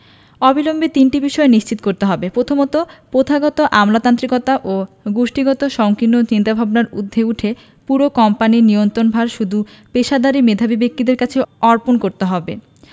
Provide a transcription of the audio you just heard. অবিলম্বে তিনটি বিষয় নিশ্চিত করতে হবে প্রথমত প্রথাগত আমলাতান্ত্রিকতা ও গোষ্ঠীগত সংকীর্ণ চিন্তাভাবনার ঊর্ধ্বে উঠে পুরো কোম্পানির নিয়ন্ত্রণভার শুধু পেশাদারি মেধাবী ব্যক্তিদের কাছেই অর্পণ করতে হবে